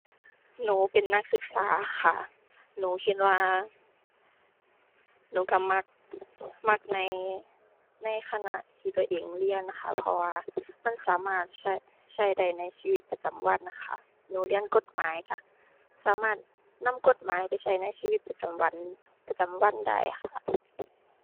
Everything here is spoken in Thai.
หนูเป็นนักศึกษาค่ะ หนูคิดว่า หนูก็มักมักในในคณะที่ก็เองเรียนค่ะ เพราะว่ามันสามารถใช้ ใช้ได้ในชีวิตประจำวันค่ะ หนูเรียนกฎหมายก็สามารถนำกฎหมายไปใช้ในชีวิตประจำวัน ประจำวันได้ค่ะ